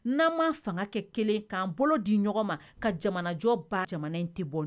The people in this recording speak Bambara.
N'an ma fanga kɛ kelen ye k'an bolo di ɲɔgɔn ma, ka jamanajɔ ban jamana in tɛ bɔ